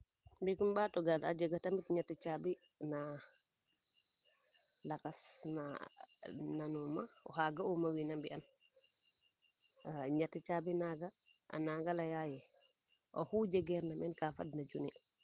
ndiiki im mbato gar a jega ñeti caabi na lakas na nanuuma oxa ga uuma wiina mbiyan ñeti caabi naaga ananga leyaaye oxu jegeer na meen kaa fadna junni